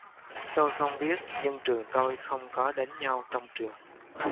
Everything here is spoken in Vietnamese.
tôi không biết nhưng trường tôi không có đánh nhau trong trường